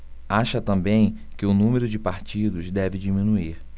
acha também que o número de partidos deve diminuir